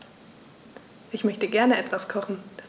Ich möchte gerne etwas kochen.